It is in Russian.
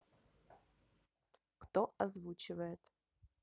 кто озвучивает